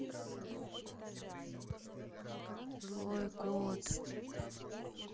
злой кот